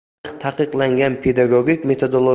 tarix taqiqlangan pedagogik